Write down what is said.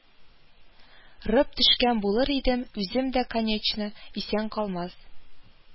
Рып төшкән булыр идем, үзем дә, конечно, исән калмас